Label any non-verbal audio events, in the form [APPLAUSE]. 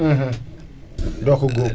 [HESITATION] [HESITATION] [NOISE] doo ko góob